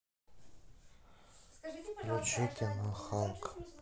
включи кино халк